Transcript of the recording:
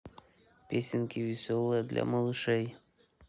песенки веселые для малышей